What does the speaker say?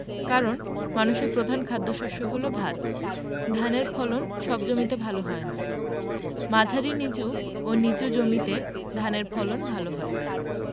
কারন মানুষের প্রধান খাদ্যশস্য হলো ভাত ধানের ফলন সব জমিতে ভালো হয় না মাঝারি নিচু ও নিচু জমিতে ধানের ফলন ভালো হয়